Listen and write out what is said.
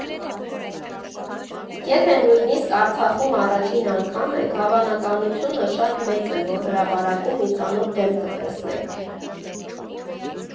Եթե նույնիսկ Արցախում առաջին անգամ եք, հավանականությունը շատ մեծ է, որ հրապարակում մի ծանոթ դեմք կտեսնեք։